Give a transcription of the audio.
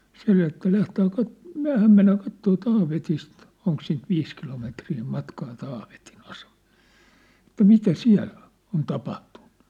se että lähdetään - mehän mennään katsomaan Taavetista onko siitä viisi kilometriä matkaa Taavetin asemalle että mitä siellä on on tapahtunut